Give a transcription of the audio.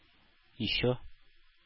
Ещё